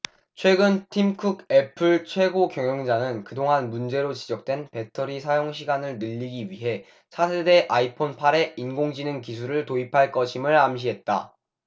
최근 팀쿡 애플 최고경영자는 그동안 문제로 지적된 배터리 사용시간을 늘리기 위해 차세대 아이폰 팔 에 인공지능기술을 도입할 것임을 암시했다